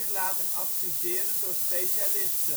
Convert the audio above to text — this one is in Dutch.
laten adviseren door specialisten